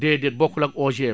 déedéet bokkul ak OGM